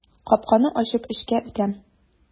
Капканы ачып эчкә үтәм.